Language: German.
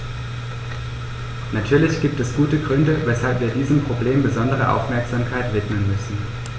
Natürlich gibt es gute Gründe, weshalb wir diesem Problem besondere Aufmerksamkeit widmen müssen.